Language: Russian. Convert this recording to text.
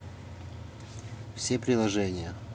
все приложения